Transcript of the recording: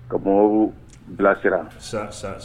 Ka bɔ bila kɛra sa